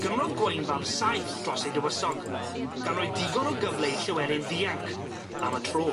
Gymrodd Gwaenfab saeth dros ei dywysog gan roi digon o gyfle i Llewelyn ddianc am y tro.